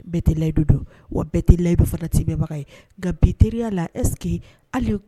Yiyi